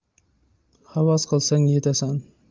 havas qilsang yetasan